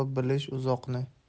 o'qib bilish uzoqni